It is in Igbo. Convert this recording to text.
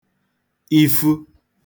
ifu